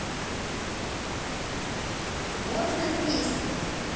можно песни